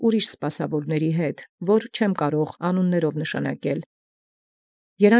Սպասաւորաւք աւետարանին, զոր չեմք բաւական ըստ անուանցն նշանակել։